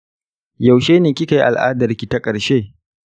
yaushe ne kika yi al’adarki ta ƙarshe?